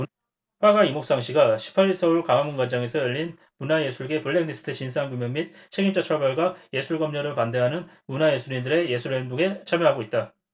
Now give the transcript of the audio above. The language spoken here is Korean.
화가 임옥상씨가 십 팔 일 서울 광화문광장에서 열린 문화예술계 블랙리스트 진상규명 및 책임자 처벌과 예술검열을 반대하는 문화예술인들의 예술행동에 참여하고 있다